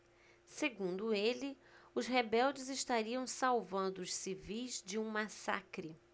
segundo ele os rebeldes estariam salvando os civis de um massacre